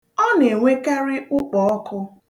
Ọ na-enwekarị ụkpọọkụ.